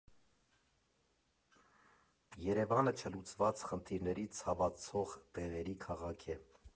Երևանը չլուծված խնդիրների, ցավացող տեղերի քաղաք է։